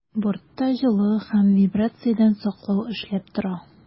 Бортта җылы һәм вибрациядән саклау эшләп тора.